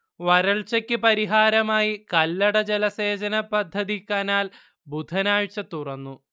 വരൾച്ചയ്ക്ക് പരിഹാരമായി കല്ലട ജലസേചനപദ്ധതി കനാൽ ബുധനാഴ്ച തുറന്നു